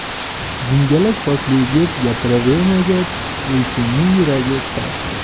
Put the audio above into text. jingalak sochli yigit gapiravermagach elchinning yuragi toshdi